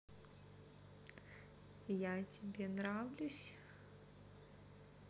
я тебе нравлюсь